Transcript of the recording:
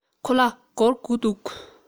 ཁོ ལ སྒོར དགུ འདུག